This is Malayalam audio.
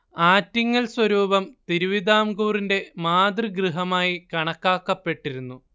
ആറ്റിങ്ങൽ സ്വരൂപം തിരുവിതാംകൂറിന്റെ മാതൃഗൃഹമായി കണക്കാക്കപ്പെട്ടിരുന്നു